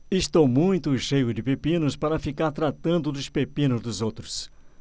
estou muito cheio de pepinos para ficar tratando dos pepinos dos outros